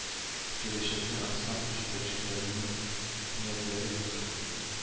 Киләчәккә ансамбль җитәкчеләренең ниятләре бик зур